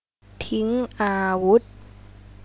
ทิ้งอาวุธ